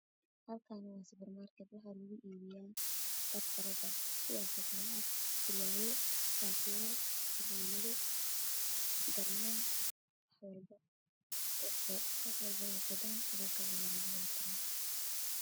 Halkan waxaa ka muuqda dharka ragga waxay kala yihiin fanaanado shatiyaal surwaalo oo meel suran